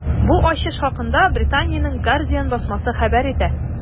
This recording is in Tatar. Бу ачыш хакында Британиянең “Гардиан” басмасы хәбәр итә.